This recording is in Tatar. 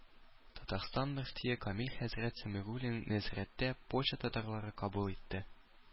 Татарстан мөфтие Камил хәзрәт Сәмигуллин нәзәрәттә Польша татарлары кабул итте.